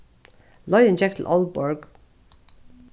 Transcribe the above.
leiðin gekk til aalborg